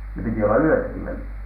no piti olla yötäkin välillä